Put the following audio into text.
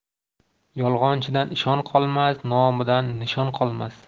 yolg'onchidan shon qolmas nomidan nishon qolmas